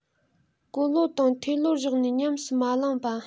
གོ ལོ དང ཐོས ལོར བཞག ནས ཉམས སུ མ བླངས པ